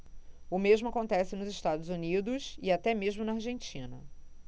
o mesmo acontece nos estados unidos e até mesmo na argentina